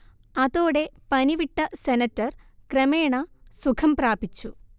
അതോടെ പനിവിട്ട സെനറ്റർ ക്രമേണ സുഖം പ്രാപിച്ചു